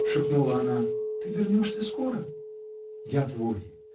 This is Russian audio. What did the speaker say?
-- шептала она, -- ты вернешься скоро? -- Я твой.